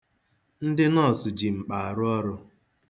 Ndị noọsụ ji mkpa arụ ọrụ.